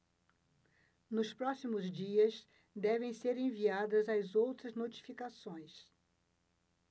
nos próximos dias devem ser enviadas as outras notificações